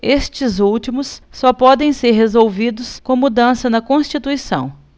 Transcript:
estes últimos só podem ser resolvidos com mudanças na constituição